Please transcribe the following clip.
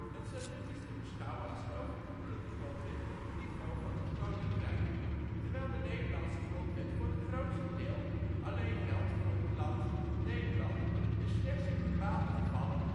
Het Statuut is te beschouwen als een overkoepelende grondwet op het niveau van het Koninkrijk, terwijl de Nederlandse Grondwet voor het grootste deel alleen geldt voor het land Nederland en slechts in bepaalde gevallen